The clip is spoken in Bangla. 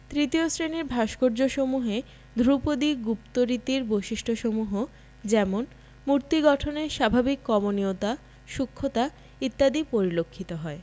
তৃতীয় শ্রেণির ভাস্কর্যসমূহে ধ্রুপদী গুপ্ত রীতির বৈশিষ্ট্যসমূহ যেমন মূর্তি গঠনের স্বাভাবিক কমনীয়তা সূক্ষতা ইত্যাদি পরিলক্ষিত হয়